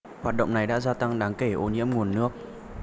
hoạt động này đã gia tăng đáng kể ô nhiễm nguồn nước